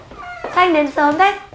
sao anh đến sớm thế